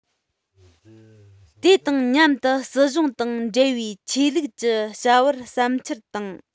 དེ དང མཉམ དུ སྲིད གཞུང དང འབྲེལ བའི ཆོས ལུགས ཀྱི བྱ བར བསམ འཆར དང